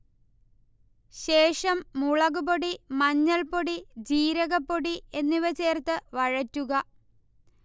ശേഷം മുളക്പൊടി, മഞ്ഞൾപ്പൊടി, ജീരകപ്പൊടി എന്നിവ ചേർത്ത് വഴറ്റുക